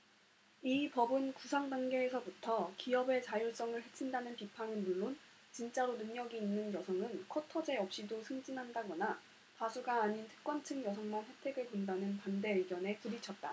이 법은 구상단계에서부터 기업의 자율성을 해친다는 비판은 물론 진짜로 능력이 있는 여성은 쿼터제 없이도 승진한다거나 다수가 아닌 특권층 여성만 혜택을 본다는 반대 의견에 부딪혔다